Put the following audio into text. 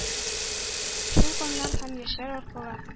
Шул каннар һәм яшьләр аркылы,